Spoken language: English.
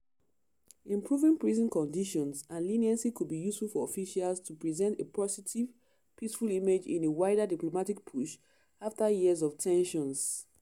Improving prison conditions and leniency could be useful for officials to present a positive, peaceful image in a wider diplomatic push, after years of tensions.